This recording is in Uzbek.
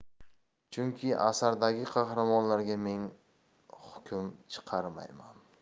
chunki asardagi qahramonlarga men hukm chiqarmayman